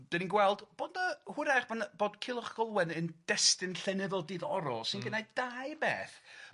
'dan ni'n gweld bod yy hwrach bo' 'na bod Culhwch ag Olwen yn destun llenyddol diddorol sy'n... Hmm. ...gneu' dau beth.